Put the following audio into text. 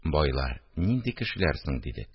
– байлар нинди кешеләр соң? – дидек